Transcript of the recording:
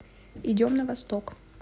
идем на восток